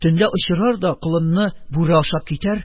Төнлә очрар да, колынны бүре ашап китәр.